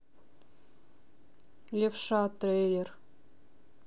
левша трейлер